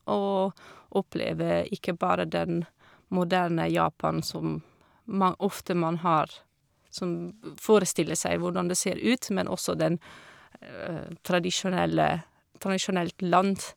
Og oppleve ikke bare den moderne Japan som mang ofte man har som forestille seg hvordan det ser ut, men også den tradisjonelle tradisjonelt land.